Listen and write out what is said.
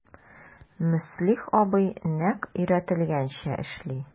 Мөслих абый нәкъ өйрәтелгәнчә эшли...